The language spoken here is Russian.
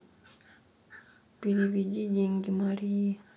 переведи деньги марии